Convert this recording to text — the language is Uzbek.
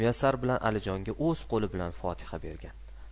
muyassar bilan alijonga o'z qo'li bilan fotiha bergan